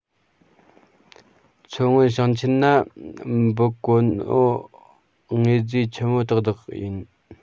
མཚོ སྔོན ཞིང ཆེན ན འབུད གོ ནོ དངོས རྫས ཆི མོ དག དག ཡིན